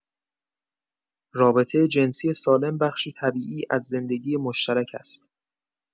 رابطه جنسی سالم بخشی طبیعی از زندگی مشترک است.